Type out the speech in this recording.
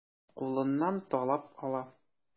Кулыннан талап ала.